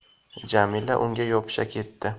jamila unga yopisha ketdi